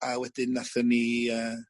a wedyn nathon ni yy